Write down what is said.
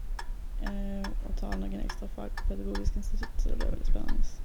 Og ta noen ekstra fag på pedagogisk institutt, så det blir veldig spennende.